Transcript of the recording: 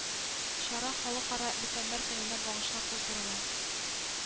Чара халыкара өлкәннәр көненә багышлап уздырыла